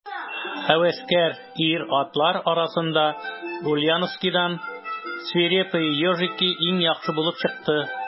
Һәвәскәр ир-атлар арасында Ульяновскидан «Свирепые ежики» иң яхшы булып чыкты.